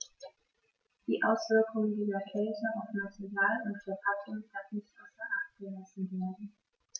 Die Auswirkungen dieser Kälte auf Material und Verpackung darf nicht außer acht gelassen werden.